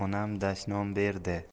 onam dashnom berdi